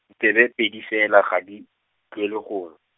tsebe pedi fela ga di, utlwele gongwe.